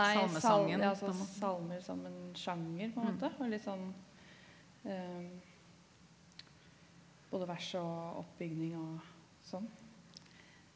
nei salmer ja altså salmer som en sjanger på en måte og litt sånn både vers og oppbygning og sånn.